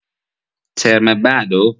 ترم بعدو؟